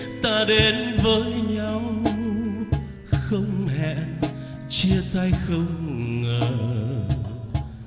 ta đến với nhau không hẹn chia tay không ngờ